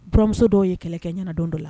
Uramuso dɔw ye kɛlɛkɛ ɲɛna don dɔ la